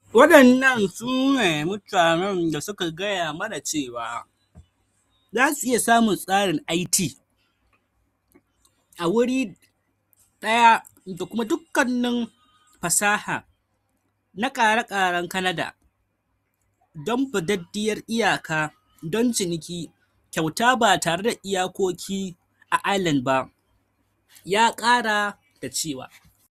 ‘Waɗannan su ne mutanen da suka gaya mana cewa za su iya samun tsarin IT a wuri daya da kuma dukkanin fasaha na kara-karan Canada, don badaddiyar iyaka, don ciniki kyauta ba tare da iyakoki a Ireland ba,’ ya kara da cewa.